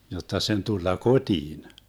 jotta sen tulla kotiin